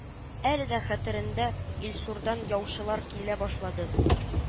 Әле дә хәтерендә — Илсурдан яучылар килә башлады